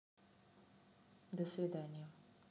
до свидания